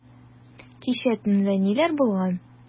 Кичә төнлә ниләр булган?